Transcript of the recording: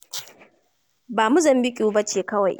Ba Mozambiƙue ba ce kawai.